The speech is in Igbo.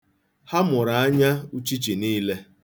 Ha mụrụ anya uchichi niile.